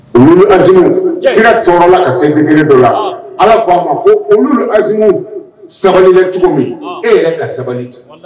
Olu az kira tɔɔrɔla ka sen kelen dɔ la ala k'a ma ko olu az sabali cogo min e yɛrɛ ka sabali cɛ